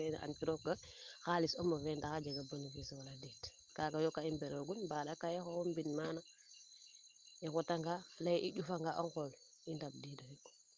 ne an kiro xalis omo fee ndax a jega benefice wala deed kaaga yo kaa i mberoogun mbaanda cahier xooxum mbin maana i ngota nga i njufa nga o ngool i ndamb diidoyo